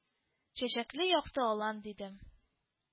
Чәчәкле якты алан, дидем